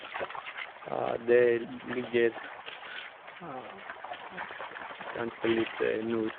Det ligger, ja, kanskje litt nord...